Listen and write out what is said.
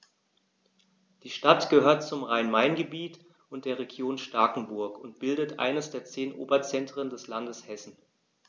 Die Stadt gehört zum Rhein-Main-Gebiet und der Region Starkenburg und bildet eines der zehn Oberzentren des Landes Hessen.